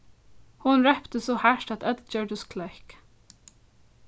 hon rópti so hart at øll gjørdust kløkk